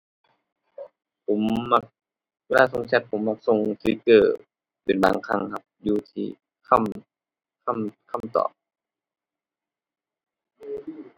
ผมมัก เวลาส่งแชตผมมักส่งสติกเกอร์เป็นบางครั้งครับ อยู่ที่คำ คำ คำตอบ